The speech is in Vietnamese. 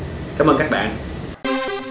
cám ơn các